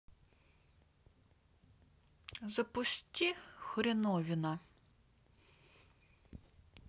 запусти хреновина